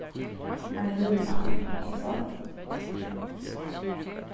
hann er lítillátin ikki so